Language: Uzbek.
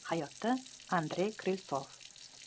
hayotda andrey kril'sov